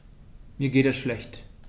Mir geht es schlecht.